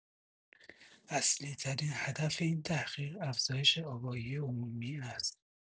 اصلی‌ترین هدف این تحقیق افزایش آگاهی عمومی است.